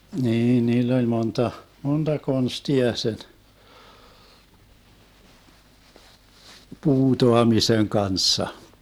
niin niillä oli monta monta konstia sen puutaamisen kanssa